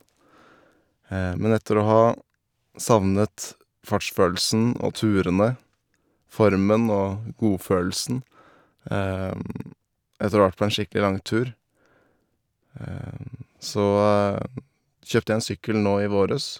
Men etter å ha savnet fartsfølelsen og turene, formen og godfølelsen etter å ha vært på en skikkelig lang tur, så kjøpte jeg en sykkel nå i våres.